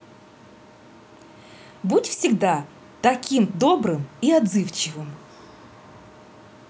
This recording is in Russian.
будь всегда таким добрым и отзывчивым